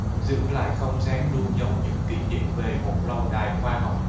giữ lại không gian lưu dấu những kỷ niệm về một lâu đài khoa học